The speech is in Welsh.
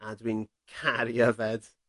A dwi'n caru yfed.